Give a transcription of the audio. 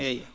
eeyi